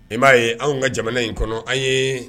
I b'a ye anw ka jamana in kɔnɔ an ye